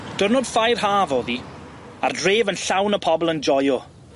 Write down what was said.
Dyrnod ffair haf o'dd i a'r dref yn llawn o pobol yn joio.